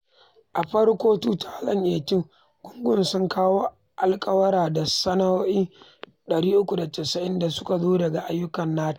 A farkon 2018, gungun sun kawo alƙawura da sanarwowi 390 da suka zo daga ayyukan nata, inda aƙalla a riga an kashe ko tara dala biliyan 10.